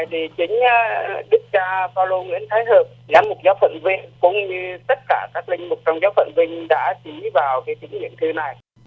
thì chính đức cha pao lô nguyễn thái hợp giám mục giáo phận vinh cũng như tất cả các linh mục trong giáo phận vinh đã ký vào giấy chứng nhận thư này